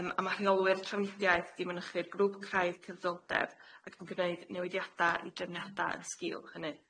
Yym a ma' rheolwyr trefnidiaeth di mynychu'r grŵp craidd cydraddoldeb ac yn gneud newidiada i drefniada yn sgil hynny.